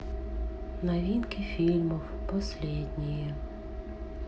новинки фильмов последние